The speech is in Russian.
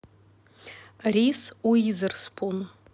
риз уизерспун